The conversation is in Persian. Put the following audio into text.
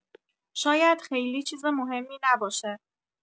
شاید خیلی چیز مهمی نباشه